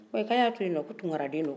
ko ayi a y' a to yen nɔ ko tunkaraden do